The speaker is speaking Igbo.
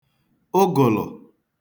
ụgụ̀lụ̀